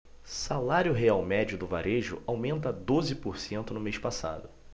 salário real médio do varejo aumenta doze por cento no mês passado